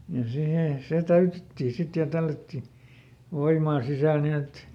ja siihen se täytettiin sitten ja tällättiin voimaa sisälle niin että